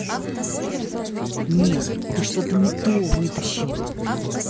нет ты что то не то вытащил